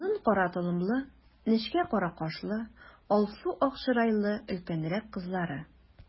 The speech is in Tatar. Озын кара толымлы, нечкә кара кашлы, алсу-ак чырайлы өлкәнрәк кызлары.